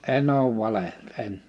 en ole valehdellut en